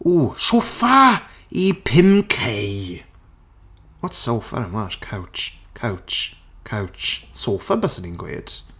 Ww, soffa i pum K. What's sofa in Welsh? Couch. Couch. Couch. Soffa byswn i'n gweud.